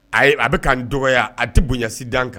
A a bɛ' dɔgɔya a tɛ bonyaɲasi d kan